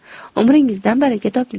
umringizdan baraka toping